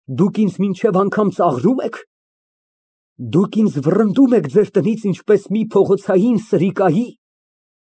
Դուք ինձ մինչև անգամ ծաղրո՞ւմ եք։ Դուք ինձ վռնդում եք ձեր տնից, ինչպես մի փողոցային սրիկայի՞։